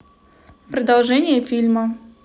продолжение фильма